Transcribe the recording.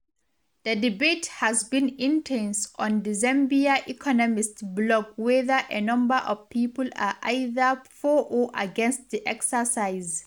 The debate has been intense on the Zambia Economist blog where a number of people are either for or against the exercise.